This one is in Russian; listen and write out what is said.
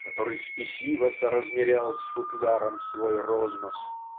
который "спесиво соразмерял с футляром свой розмах"